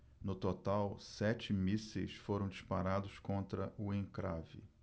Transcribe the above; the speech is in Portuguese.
no total sete mísseis foram disparados contra o encrave